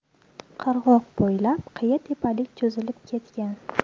qirg'oq bo'ylab qiya tepalik cho'zilib ketgan